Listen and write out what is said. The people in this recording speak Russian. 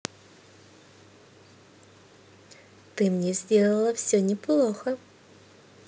ты мне сделала все не плохо